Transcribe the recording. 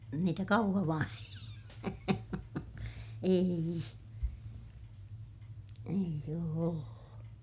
niitä Kauhavan ei ei ole ollut